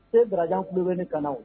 Se sirajɛ ku bɛ ne ka